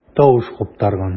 Тавыш куптарган.